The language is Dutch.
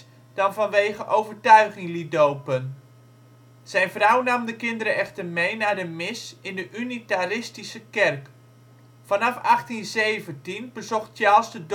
vanwege overtuiging liet dopen. Zijn vrouw nam de kinderen echter mee naar de mis in de Unitaristische kerk. Vanaf 1817 bezocht Charles de dorpsschool